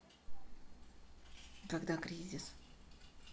когда кризис